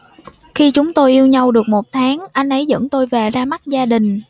khi chúng tôi yêu nhau được một tháng anh ấy dẫn tôi về ra mắt gia đình